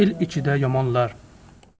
el ichida yomonlar